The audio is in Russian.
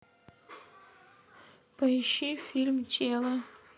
поищи фильм тело